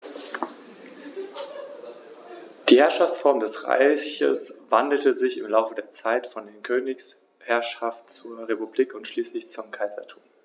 Rom wurde damit zur ‚De-Facto-Vormacht‘ im östlichen Mittelmeerraum.